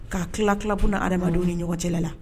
Ka tila tilakun na adamadamadenw ni ɲɔgɔn cɛla la